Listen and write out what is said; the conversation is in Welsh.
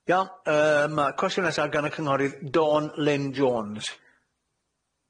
Iawn yym yy cwestiwn nesa gan y cynghorydd Dawn Lynne Jones.